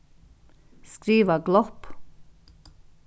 skriva glopp